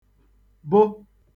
bụ